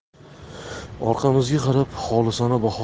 orqamizga qarab xolisona